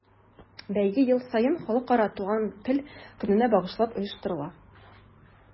Бәйге ел саен Халыкара туган тел көненә багышлап оештырыла.